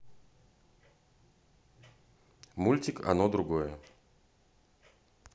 мультик оно другое